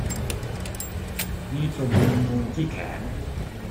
มีตุ่มนูนนูนที่แขน